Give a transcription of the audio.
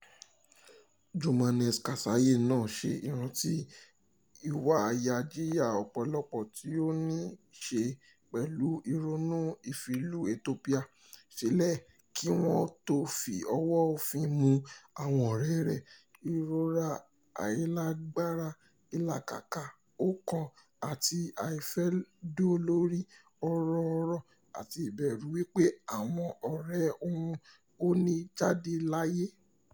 Jomanex Kasaye náà ṣe ìrántí ìwàyáìjà ọpọlọ tí ó ní í ṣe pẹ̀lú ìrònú ìfìlú Ethiopia sílẹ̀ kí wọ́n ó tó fi ọwọ́ òfin mú àwọn ọ̀rẹ́ẹ rẹ̀ — ìrora àìlágbára — ìlàkàkà ọkàn àti àìfẹ̀dọ̀lórí òróòró àti ìbẹ̀rù wípé àwọn ọ̀rẹ́ òhun ò ní jáde láàyè.